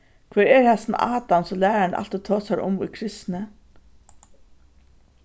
hvør er hasin adam sum lærarin altíð tosar um í kristni